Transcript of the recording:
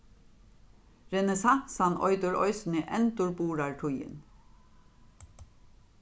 renesansan eitur eisini endurburðartíðin